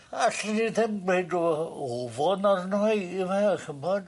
...allwn i ddim gweud o' ofon arno fi yfe a ch'mbod